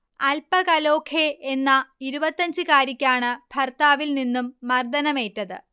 അൽപ കലോഖെ എന്ന ഇരുപത്തഞ്ച്കാരിക്കാണ് ഭർത്താവിൽ നിന്നും മർദ്ദനമേറ്റത്